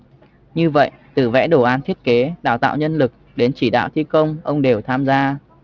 như vậy từ vẽ đồ án thiết kế đào tạo nhân lực đến chỉ đạo thi công ông đều tham gia